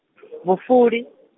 Vhufuli.